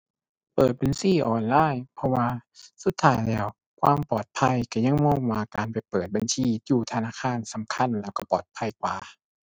เปิดบัญชีออนไลน์ เพราะว่าสุดท้ายแล้วความปลอดภัยก็ยังมองว่าการไปเปิดบัญชีอยู่ธนาคารสำคัญ แล้วก็ปลอดภัยกว่า